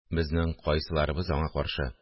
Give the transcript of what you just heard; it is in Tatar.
Безнең кайсыларыбыз аңа каршы